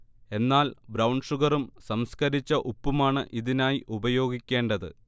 എന്നാൽ ബ്രൌൺ ഷുഗറും സംസ്കരിച്ച ഉപ്പുമാണ് ഇതിനായി ഉപയോഗിക്കേണ്ടത്